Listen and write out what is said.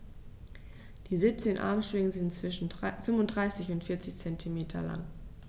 Die 17 Armschwingen sind zwischen 35 und 40 cm lang.